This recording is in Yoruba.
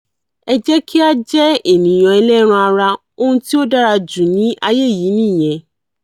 Ẹ jẹ́ kí a jẹ́ ènìyàn ẹlẹ́ran ara, ohun tí ó dára jù ní ayé yìí nìyẹn.